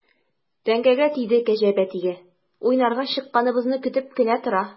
Теңкәгә тиде кәҗә бәтие, уйнарга чыкканыбызны көтеп кенә тора.